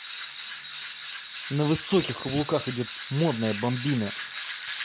на высоких каблуках идет модная бомбина